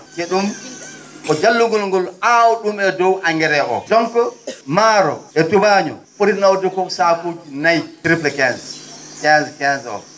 te ?um ko jallungol ngol aaw?um e dow engrais o donc maaro e tubaañoo foti nawde ko saakuuji nayi triple 15 woni 15 15 o